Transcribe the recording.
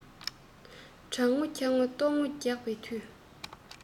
གྲང ངུ འཁྱག ངུ ལྟོགས ངུ རྒྱག པའི དུས